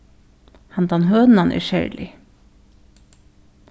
handan hønan er serlig